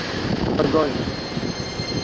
все огонь